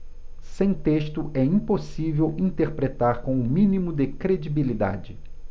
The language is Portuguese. sem texto é impossível interpretar com o mínimo de credibilidade